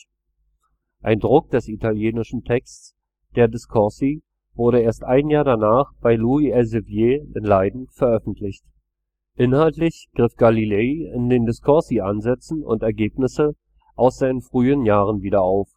Ein Druck des italienischen Texts der Discorsi wurde erst ein Jahr danach bei Louis Elsevier in Leiden veröffentlicht. Inhaltlich griff Galilei in den Discorsi Ansätze und Ergebnisse aus seinen frühen Jahren wieder auf